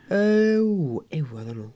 Yy ww, ewadd annwyl.